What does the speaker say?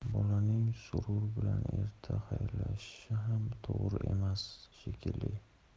bolaning surur bilan erta xayrlashishi ham to'g'ri emas shekilli